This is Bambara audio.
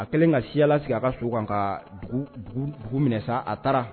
A kɛlen ka Siya lasigi a ka so kan ka dugu dugu dugu minɛ sa a taara